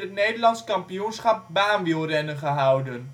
Nederlands Kampioenschap baanwielrennen gehouden